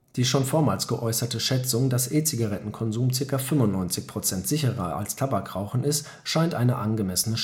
Die schon vormals geäußerte Schätzung, dass E-Zigarettenkonsum ca. 95 % sicherer als Tabakrauchen ist, scheint eine angemessene